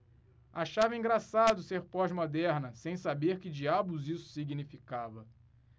achava engraçado ser pós-moderna sem saber que diabos isso significava